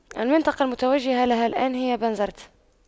المنطقة المتوجهة لها الآن هي بنزرت